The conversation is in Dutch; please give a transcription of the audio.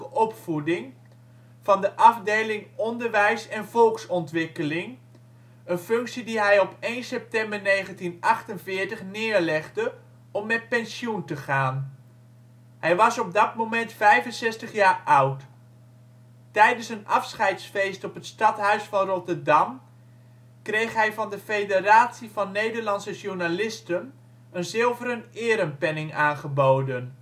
van de afdeling Onderwijs en Volksontwikkeling, een functie die hij op 1 september 1948 neerlegde om met pensioen te gaan: hij was op dat moment 65 jaar oud. Tijdens een afscheidsfeest op het stadhuis van Rotterdam kreeg hij van de Federatie van Nederlandse Journalisten een zilveren erepenning aangeboden